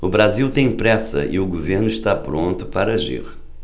o brasil tem pressa e o governo está pronto para agir